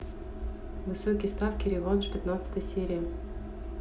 высокие ставки реванш пятнадцатая серия